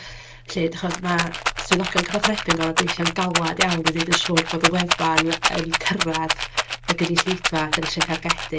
'Lly dach chibod, ma' swyddogion cyfathrebu'n gorfod gweithio'n galad iawn i wneud yn siŵr bod y wefan yn cyrraedd y gynulleidfa dan ni isio thargedu.